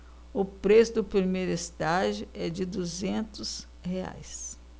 o preço do primeiro estágio é de duzentos reais